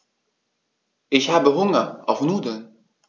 Ich habe Hunger auf Nudeln.